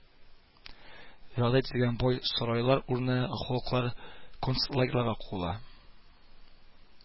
Вәгъдә ителгән бай сарайлар урынына халыклар концлагерьларга куыла